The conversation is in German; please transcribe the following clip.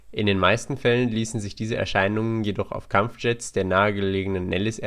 In den meisten Fällen ließen sich diese Erscheinungen jedoch auf Kampfjets der nahegelegenen Nellis